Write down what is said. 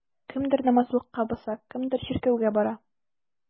Кемдер намазлыкка басса, кемдер чиркәүгә бара.